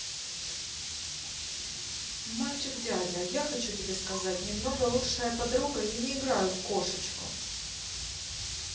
мальчик дядя а я хочу тебе сказать немного лучшая подруга я не играю в кошечку